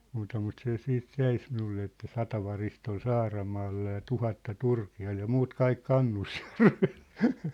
muuta mutta se sitten jäi - minulle että sata varista oli Saaramaalla ja tuhatta Turkialla ja muut kaikki Kannusjärvellä